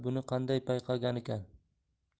buni qanday payqaganikin